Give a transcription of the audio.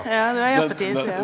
ja, det var jappetid ja.